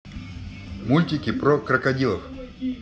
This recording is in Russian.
мультики про крокодилов